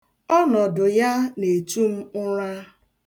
Ọnọdụ ya na-echu m ụra.